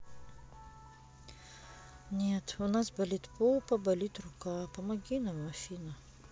нет у нас болит попа болит рука помоги нам афина